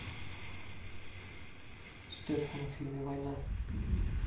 стэтхэм в фильме война